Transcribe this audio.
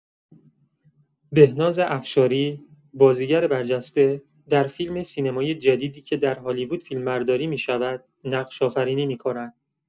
بهناز افشاری، بازیگر برجسته، در فیلم سینمایی جدیدی که در هالیوود فیلمبرداری می‌شود، نقش‌آفرینی می‌کند.